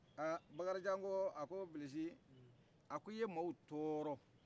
bakarijan ko a ko bilisi a ko i ye maaw tɔɔrɔ